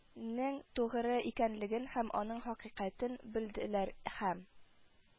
Нең тугыры икәнлеген һәм аның хакыйкатен белделәр һәм